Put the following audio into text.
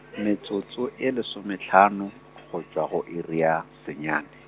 metsotso e lesomehlano, go tšwa go iri ya, senyane.